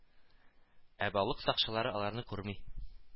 Ә балык сакчылары аларны күрми